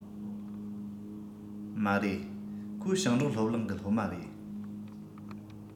མ རེད ཁོ ཞིང འབྲོག སློབ གླིང གི སློབ མ རེད